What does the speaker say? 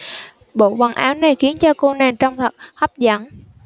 bộ quần áo này khiến cho cô nàng trông thật hấp dẫn